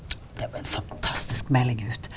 det er jo en fantastisk melding ut.